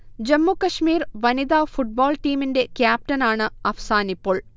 ജമ്മു കശ്മീർ വനിതാ ഫുട്ബോൾ ടീമിന്റെ ക്യാപ്റ്റനാണ് അഫ്സാനിപ്പോൾ